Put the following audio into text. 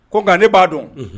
Ko nka ne b'a dɔn